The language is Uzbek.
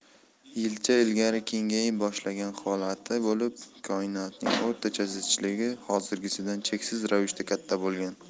yilcha ilgari kengayib boshlagan holati bo'lib koinotning o'rtacha zichligi hozirgisidan cheksiz ravishda katta bo'lgan